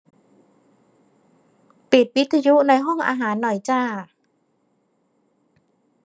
ปิดวิทยุในห้องอาหารหน่อยจ้า